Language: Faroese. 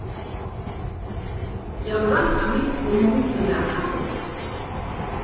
eg havi roynt at minka um mongdina av kaffikoppum